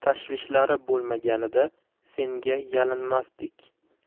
tashvishlari bo'lmaganida senga yalinmasdik